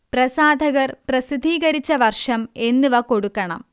പ്രസാധകർ പ്രസിദ്ധീകരിച്ച വർഷം എന്നിവ കൊടുക്കണം